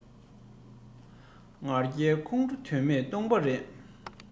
ང རྒྱལ ཁོང ཁྲོ དོན མེད སྟོང པ རེད